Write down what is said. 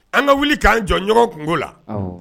An ka wuli k'an jɔɲɔgɔn kun la